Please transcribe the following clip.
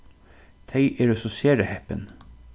tey eru so sera heppin